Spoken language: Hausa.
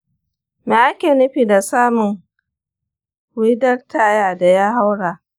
me ake nufi da samun widal titre da ya haura?